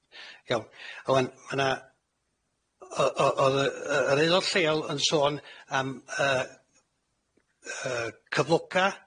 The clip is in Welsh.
Iawn. A wan ma' 'na... Yy o- o- o'dd y yy yr aelod lleol yn sôn am yy yy cyfloga',